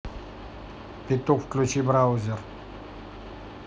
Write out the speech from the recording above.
петух включи браузер